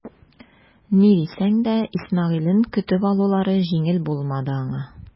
Ни дисәң дә Исмәгыйлен көтеп алулары җиңел булмады аңа.